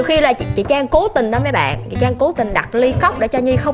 khi là chị trang cố tình đó mấy bạn chị trang cố tình đặt ly cốc để cho nhi không